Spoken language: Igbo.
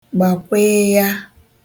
gbàkwịịya